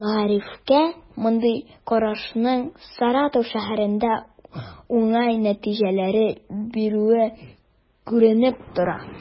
Мәгарифкә мондый карашның Саратов шәһәрендә уңай нәтиҗәләр бирүе күренеп тора.